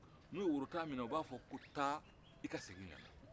n'o ye worotan minɛ u b'a fɔ taa i ka segin ka na